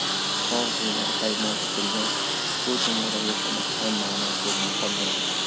orzulari poymol etilgach bu dunyoda yashamoqdan ma'no ko'rmay qolgandi